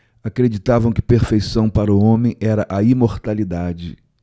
acreditavam que perfeição para o homem era a imortalidade